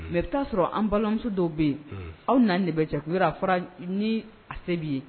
Mais i bi t'a sɔrɔ an balimamuso dɔw bɛ yen, aw naani de bɛ jɛ. I y'a don a fɔra ni a se b'i ye.